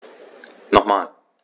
Nochmal.